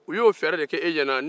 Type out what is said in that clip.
u y'o fɛɛrɛ de kɛ e ɲɛna